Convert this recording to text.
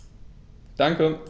Danke.